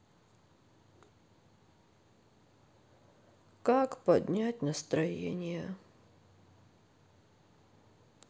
как поднять настроение